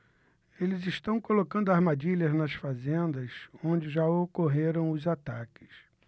eles estão colocando armadilhas nas fazendas onde já ocorreram os ataques